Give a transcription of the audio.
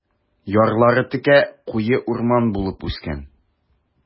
Ярлары текә, куе урман булып үскән.